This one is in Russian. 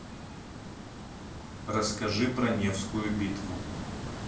расскажи про невскую битву